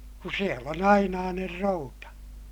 kun siellä on ainainen routa